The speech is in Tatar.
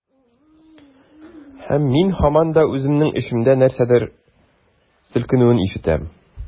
Һәм мин һаман да үземнең эчемдә нәрсәдер селкенүен ишетәм.